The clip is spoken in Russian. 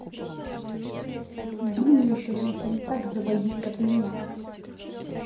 думаю что это настанет так завозить как меня